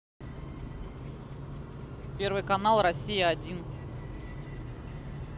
первый канал россия один